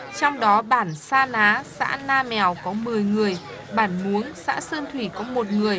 trong đó bản sa ná xã na mèo có mười người bản muống xã sơn thủy có một người